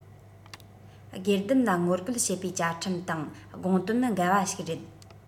སྒེར སྡེམ ལ ངོ རྒོལ བྱེད པའི བཅའ ཁྲིམས དང དགོངས དོན ནི འགལ བ ཞིག རེད